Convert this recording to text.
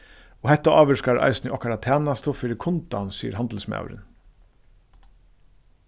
og hetta ávirkar eisini okkara tænastu fyri kundan sigur handilsmaðurin